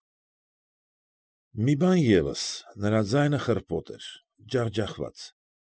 Մի բան ևս, նրա ձայնը խռպոտ էր, ջախջախված։